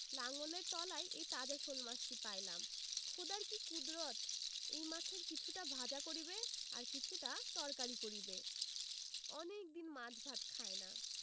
লাঙলের তলায় এই তাজা শোলমাছটি পাইলাম খোদার কি কুদরত এই মাছের কিছুটা ভাজা করিবে আর কিছুটা তরকারি করিবে অনেকদিন মাছ ভাত খাই না